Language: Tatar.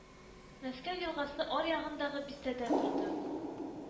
Мәскәү елгасы аръягындагы бистәдә торды